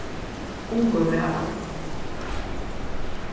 ungur maður